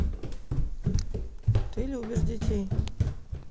ты любишь детей